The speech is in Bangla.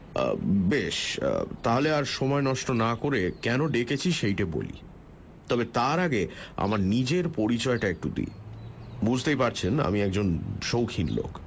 বেশ তা হলে আর সময় নষ্ট না করে কেন ডেকেছি সেইটে বলি তবে তার আগে আমার নিজের পরিচয়টা একটু দিই বুঝতেই পারছেন আমি একজন শৌখিন লোক